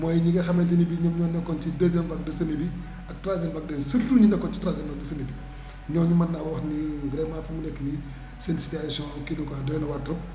mooy ñi nga xamante ne bi ñoom ñoo nekkoon ci deuxième vague de semis bi ak troisième vague de surtout ñi nekkoon si troisième vague de semis bi ñooñu mën naa wax ni vraiment fu mu nekk nii seen situation kii bi quoi doy na waar trop